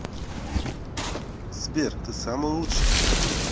сбер ты самый лучший